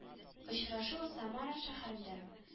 Очрашу Самара шәһәрендә